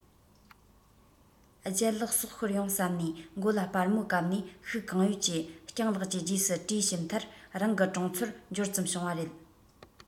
ལྗད ལགས སྲོག ཤོར ཡོང བསམ ནས མགོ ལ སྦར མོ བཀབ ནས ཤུགས གང ཡོད ཀྱིས སྤྱང ལགས ཀྱི རྗེས སུ བྲོས ཕྱིན མཐར རང གི གྲོང ཚོར འབྱོར ཙམ བྱུང བ རེད